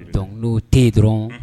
Donc n'o tɛ yen Un!